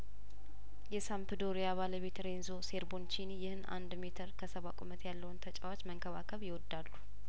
የሳምፕዶሪያ ባለቤት ሬን ዞ ሴርቦንቺኒ ይህን አንድ ሜትር ከሰባ ቁመት ያለውን ተጫዋች መንከባከብ ይወዳሉ